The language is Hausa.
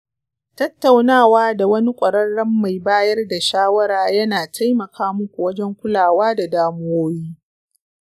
tattaunawa da wani ƙwararren mai bayar da shawara ya na taimaka muku wajen kulawa da damuwowi.